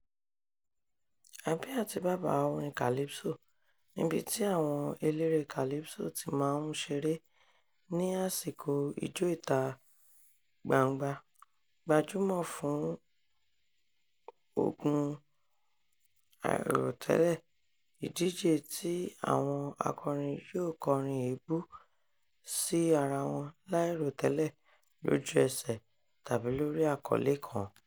Abẹ́ àtíbàbà orin Calypso, níbi tí àwọn eléré calipso ti máa ń ṣeré ní àsìkò Ijó ìta-gbangba, gbajúmọ̀ fún "ogun àìròtẹ́lẹ̀ ", ìdíje tí àwọn akọrin yóò kọrin èébú sí ara wọn láì rò tẹ́lẹ̀ lójú ẹsẹ̀, tàbí lórí àkọ́lé kan.